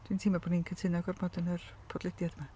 Dwi'n teimlo bod ni'n cytuno gormod yn yr podlediad 'ma.